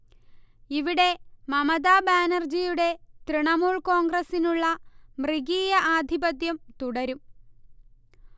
ഇവിടെ മമതാ ബാനർജിയുടെ തൃണമൂൽ കോൺഗ്രസിനുള്ള മൃഗീയ ആധിപത്യം തുടരും